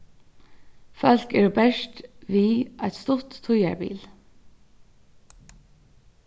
fólk eru bert við eitt stutt tíðarbil